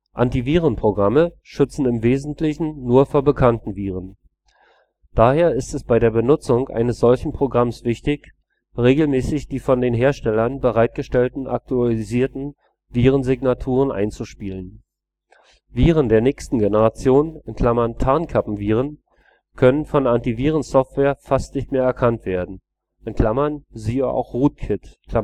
Antivirenprogramme schützen im Wesentlichen nur vor bekannten Viren. Daher ist es bei der Benutzung eines solchen Programms wichtig, regelmäßig die von den Herstellern bereitgestellten aktualisierten Virensignaturen einzuspielen. Viren der nächsten Generation (Tarnkappenviren) können von Antivirensoftware fast nicht mehr erkannt werden (siehe auch Rootkit). Mit